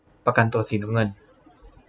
ประกันตัวสีน้ำเงิน